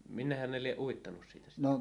minnehän ne lie uittaneet siitä sitten